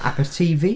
Aberteifi.